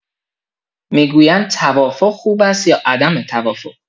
می‌گویند توافق خوب است یا عدم توافق؟